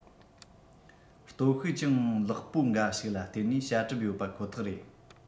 སྟོབས ཤུགས ཅུང ལེགས པོ འགའ ཞིག ལ བརྟེན ནས བྱ གྲབས ཡོད པ ཁོ ཐག རེད